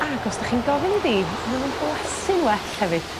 ac os 'dach chi'n gofyn i fi ma' nw'n blasu'n well hefyd.